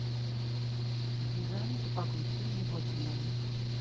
Դիզայն, տպագրություն և ոչ միայն…